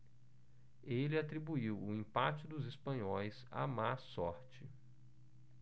ele atribuiu o empate dos espanhóis à má sorte